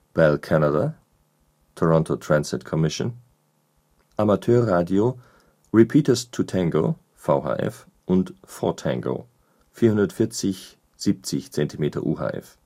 Bell Canada Toronto Transit Commission Amateurradio Repeaters 2-Tango (VHF) und 4-Tango (440/70 cm UHF